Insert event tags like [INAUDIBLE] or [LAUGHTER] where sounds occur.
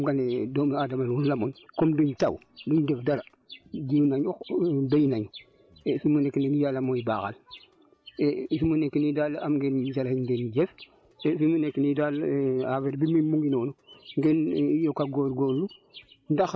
waaye xam nga ni doomu Adama bi loolu la mun comme duñ taw duñ def dara ji nañu béy nañ et fi mu nekk nii yàlla mooy baaxal et fi mu nekk nii daal am ngeen jërë ngeen jëf et fi mu nekk nii daal [HESITATION] affaire bi moom mu ngi noonu ngeen yokk a góorgóorlu